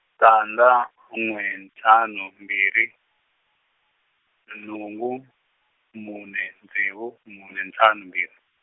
tandza , n'we ntlhanu mbirhi, nhungu, mune ntsevu mune ntlhanu mbirhi.